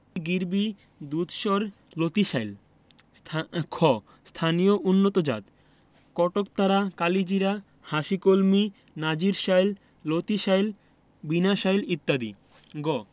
গিরবি দুধসর লতিশাইল খ স্থানীয় উন্নতজাতঃ কটকতারা কালিজিরা হাসিকলমি নাজির শাইল লতিশাইল বিনাশাইল ইত্যাদি গ